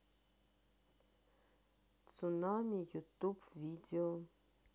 цунами ютуб видео